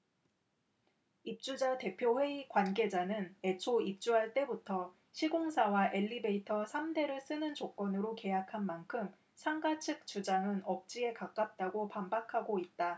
입주자 대표회의 관계자는 애초 입주할 때부터 시공사와 엘리베이터 삼 대를 쓰는 조건으로 계약한 만큼 상가 측 주장은 억지에 가깝다고 반박하고 있다